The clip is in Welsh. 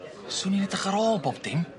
Swn i edrych ar ôl bob dim.